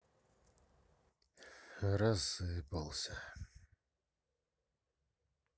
рассыпался